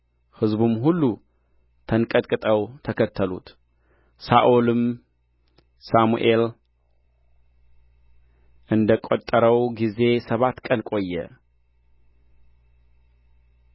ሕዝቡም ሁሉ ተንቀጥቅጠው ተከተሉት ሳኦልም ሳሙኤል እንደ ቀጠረው ጊዜ ሰባት ቀን ቆየ